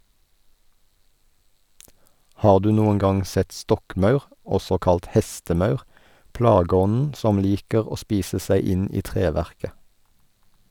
Har du noen gang sett stokkmaur, også kalt hestemaur, plageånden som liker å spise seg inn i treverket?